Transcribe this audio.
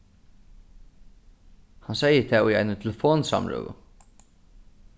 hann segði tað í eini telefonsamrøðu